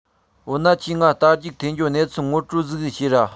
འོ ན ཁྱོས ངའ རྟ རྒྱུག འཐེན རྒྱུའོ གནས ཚུལ ངོ སྤྲོད ཟིག བྱོས རེས